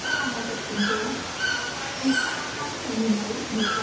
chúng ta làm bài tập củng cố vì sao ta có thể nhìn thấy được một